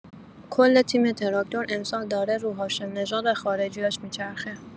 کل تیم تراکتور امسال داره رو هاشم نژاد و خارجیاش می‌چرخه